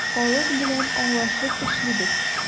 Халык белән аңлашып эшлибез.